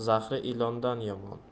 zahri ilondan yomon